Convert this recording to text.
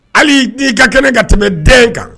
Hali n'i ka kɛnɛ ka tɛmɛ den kan